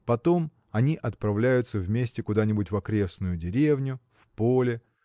Потом они отправляются вместе куда-нибудь в окрестную деревню – в поле.